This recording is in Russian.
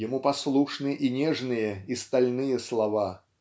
Ему послушны и нежные, и стальные слова